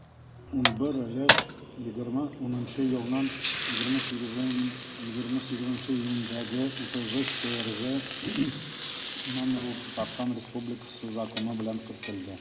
11 өлеш 2010 елның 28 июнендәге 33-трз номерлы татарстан республикасы законы белән кертелде.